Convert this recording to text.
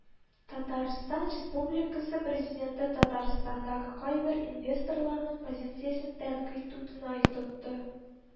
Татарстан Республикасы Президенты Татарстандагы кайбер инвесторларның позициясен тәнкыйть утына тотты